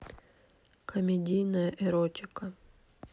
комедийная эротика